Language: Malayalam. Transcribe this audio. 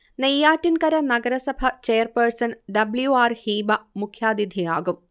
നെയ്യാറ്റിൻകര നഗരസഭ ചെയർപേഴ്സൺ ഡബ്ള്യു ആർ ഹീബ മുഖ്യാതിഥിയാകും